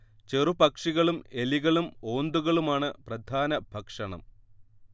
ചെറു പക്ഷികളും എലികളും ഓന്തുകളുമാണ് പ്രധാന ഭക്ഷണം